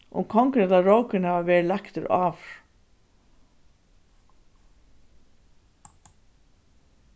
um kongurin ella rókurin hava verið leiktir áður